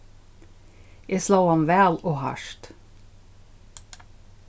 eg sló hann væl og hart